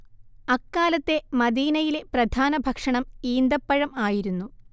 അക്കാലത്തെ മദീനയിലെ പ്രധാന ഭക്ഷണം ഈന്തപഴം ആയിരുന്നു